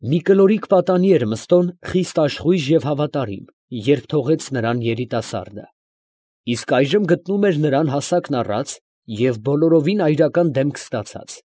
Մի կլորիկ պատանի էր Մըստոն խիստ աշխույժ և հավատարիմ, երբ թողեց նրան երիտասարդը, իսկ այժմ գտնում էր նրան հասակն առած և բոլորովին այրական դեմք ստացած։